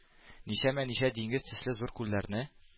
Ничәмә-ничә диңгез төсле зур күлләрне,